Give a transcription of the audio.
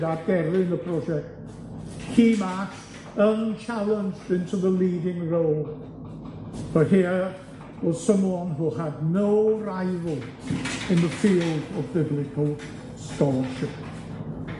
ar derfyn y prosiect, he marched unchallenged into the leading role role, but here was someone who had no rival in the field of biblical scholarship.